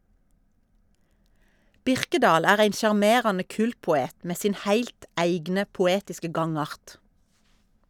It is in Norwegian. Birkedal er ein sjarmerande kultpoet med sin heilt eigne poetiske gangart.